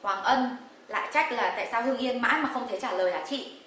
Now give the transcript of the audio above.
hoàng ân lại trách là tại sao hưng yên mãi mà không thấy trả lời hả chị